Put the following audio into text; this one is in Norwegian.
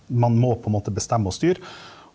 man må på en måte bestemme og styre.